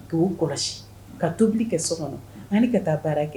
Ka' kɔlɔsi ka tobili kɛ so kɔnɔ hali ka taa baara kɛ